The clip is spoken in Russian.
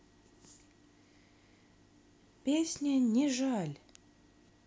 песня не жаль